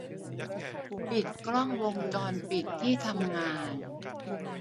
ปิดกล้องวงจรปิดที่ทำงาน